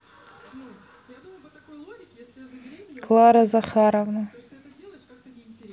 клара захаровна